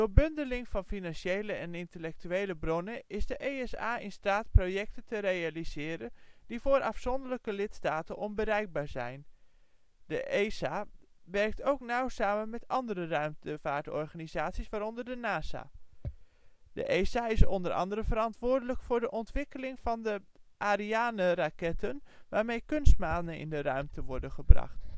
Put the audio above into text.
bundeling van financiële en intellectuele bronnen is de ESA in staat projecten te realiseren die voor afzonderlijke lidstaten onbereikbaar zijn. De ESA werkt ook nauw samen met andere ruimtevaartorganisaties, waaronder de NASA. Leden van de ESA De ESA is onder andere verantwoordelijk voor de ontwikkeling van de Arianeraketten waarmee kunstmanen in de ruimte worden gebracht